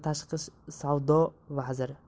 va tashqi savdo vaziri